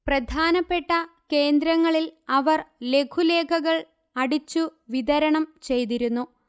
പ്രധാനപ്പെട്ട കേന്ദ്രങ്ങളിൽ അവർ ലഘുലേഖകൾ അടിച്ചു വിതരണം ചെയ്തിരുന്നു